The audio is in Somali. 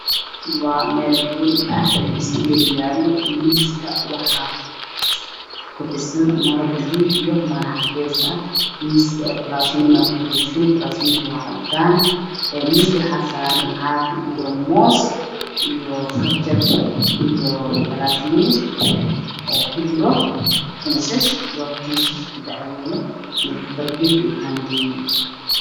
Waa hool miisas yaa laan misas ka waa ku fidsan Maro cadaan ah iyo maro buluug ah